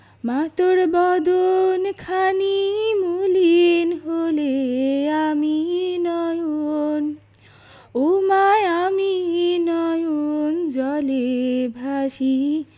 মা তোর বদন খানি মলিন হলে আমি নয়ন ওমা আমি নয়ন জলে ভাসি